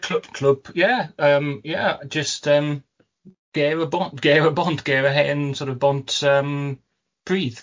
Clwb, clwb, ie, yym, ie, jyst yym ger y bont, ger y bont, ger y hen sor' of bont yym, pridd.